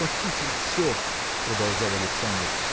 – Похитил все, – продолжал Александр.